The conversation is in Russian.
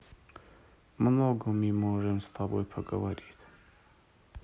много мы можем с тобой поговорить